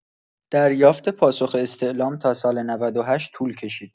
دریافت پاسخ استعلام تا سال ۹۸ طول کشید.